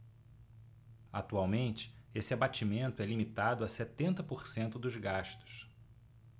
atualmente esse abatimento é limitado a setenta por cento dos gastos